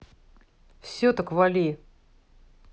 все так вали